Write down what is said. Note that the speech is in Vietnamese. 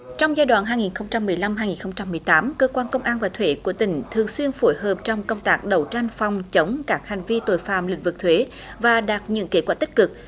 trong giai đoạn hai nghìn không trăm mười lăm hai nghìn không trăm mười tám cơ quan công an và thuế của tỉnh thường xuyên phối hợp trong công tác đấu tranh phòng chống các hành vi tội phạm lĩnh vực thuế và đạt những kết quả tích cực